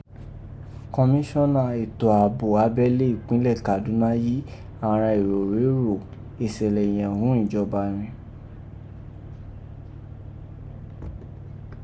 Kọmiṣọnaa eto abo abẹle ipẹ́nlẹ Kaduna ji àghan èrò rèé rò isẹlẹ yẹ̀n ghún ijọba rin.